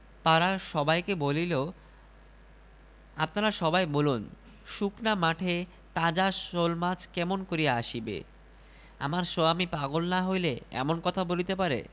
পাড়ার সবাইকে বলিল আপনারা সবাই বলুন শুকনা মাঠে তাজা শোলমাছ কেমন করিয়া আসিবে আমার সোয়ামী পাগল না হইলে এমন কথা বলিতে পারে